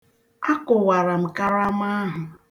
A kụwara m karama ahụ.